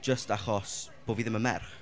Jyst achos bo' fi ddim yn merch.